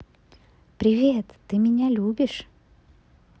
привет ты меня любишь